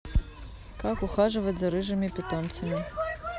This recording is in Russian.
как ухаживать за рыжими питомцами